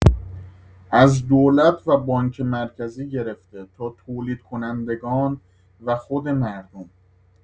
از دولت و بانک مرکزی گرفته تا تولیدکنندگان و خود مردم.